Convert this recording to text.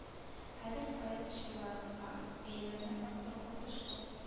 Хәзер проектчыларга бәяләрне арттыру отышлы